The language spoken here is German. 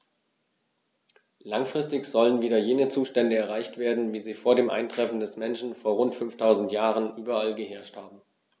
Langfristig sollen wieder jene Zustände erreicht werden, wie sie vor dem Eintreffen des Menschen vor rund 5000 Jahren überall geherrscht haben.